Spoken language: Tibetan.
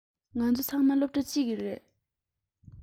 ང ཚོ ཚང མ སློབ གྲྭ གཅིག གི རེད